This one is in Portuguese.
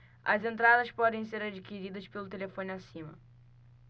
as entradas podem ser adquiridas pelo telefone acima